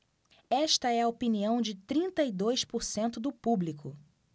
esta é a opinião de trinta e dois por cento do público